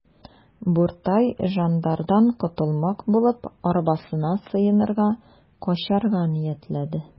Буртай жандардан котылмак булып, арбасына сыенырга, качарга ниятләде.